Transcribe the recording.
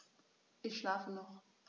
Ich schlafe noch.